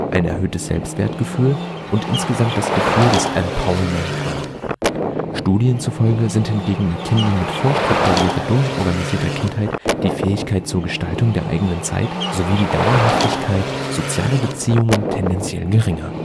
ein erhöhtes Selbstwertgefühl und insgesamt das Gefühl des Empowerment an; Studien zufolge sind hingegen bei Kindern mit vorstrukturierter, durchorganisierter Kindheit die Fähigkeit zur Gestaltung der eigenen Zeit sowie die Dauerhaftigkeit sozialer Beziehungen tendenziell geringer